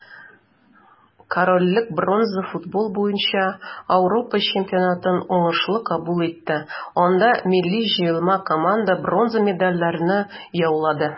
Корольлек бронза футбол буенча Ауропа чемпионатын уңышлы кабул итте, анда милли җыелма команда бронза медальләрне яулады.